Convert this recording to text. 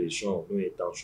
I sɔn n'o ye taa sɔn